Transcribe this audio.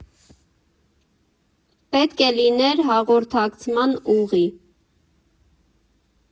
Պետք է լիներ հաղորդակցման ուղի։